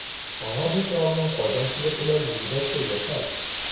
Аңа бу коралның кайдан килеп эләгүе дә сәер хәл.